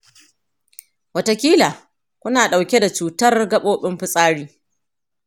wataƙila ku na ɗauke da cutar gaɓoɓin fitsari